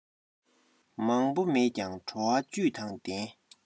མང པོ མེད ཀྱང བྲོ བ བཅུད དང ལྡན